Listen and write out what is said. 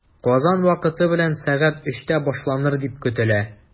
Казан вакыты белән сәгать өчтә башланыр дип көтелә.